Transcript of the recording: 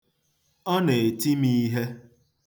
Ọ na-eti m ihe.